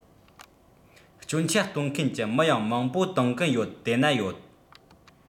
སྐྱོན ཆ སྟོན མཁན གྱི མི ཡང མང པོ གཏོང གི ཡོད དེ ན ཡོད